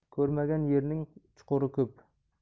ko'rmagan yerning chuquri ko'p